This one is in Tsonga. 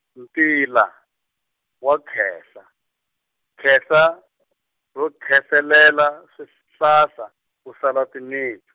ntela, wa khehla, khehla, ro khehlelela swihlahla, ku sala timintsu.